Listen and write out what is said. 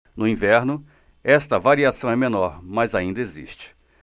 no inverno esta variação é menor mas ainda existe